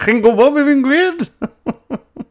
Chi'n gwbod be fi'n gweud?